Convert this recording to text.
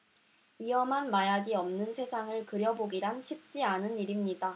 위험한 마약이 없는 세상을 그려 보기란 쉽지 않은 일입니다